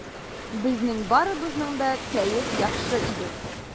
Безнең барыбызның да кәеф яхшы иде.